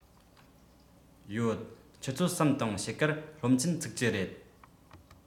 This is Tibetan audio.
ཡོད ཆུ ཚོད གསུམ དང ཕྱེད ཀར སློབ ཚན ཚུགས ཀྱི རེད